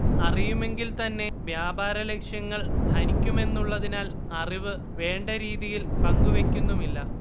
അറിയുമെങ്കിൽത്തന്നെ വ്യാപാര ലക്ഷ്യങ്ങൾ ഹനിക്കുമെന്നുള്ളതിനാൽ അറിവ് വേണ്ട രീതിയിൽ പങ്കുവെക്കുന്നുമില്ല